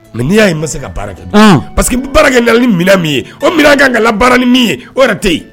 N'i y'a ye ma se ka baara kɛ pa que baarakɛla ni mina min ye o minɛn ka ga baara ni min ye o yɛrɛ tɛ yen